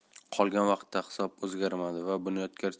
qolgan vaqtda hisob o'zgarmadi va bunyodkor